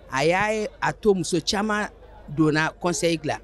A y'a ye a to muso caaman donna conseil la